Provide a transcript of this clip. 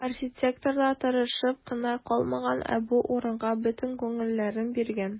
Архитекторлар тырышып кына калмаган, ә бу урынга бөтен күңелләрен биргән.